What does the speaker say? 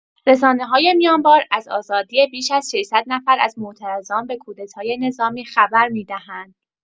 رسانه‌های میانمار از آزادی بیش از ۶۰۰ نفر از معترضان به کودتای نظامی خبر می‌دهند.